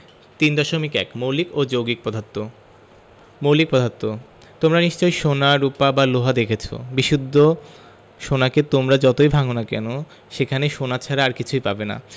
3.1 মৌলিক ও যৌগিক পদার্থঃ মৌলিক পদার্থ তোমরা নিশ্চয় সোনা রুপা বা লোহা দেখেছ বিশুদ্ধ সোনাকে তুমি যতই ভাঙ না কেন সেখানে সোনা ছাড়া আর কিছু পাবে না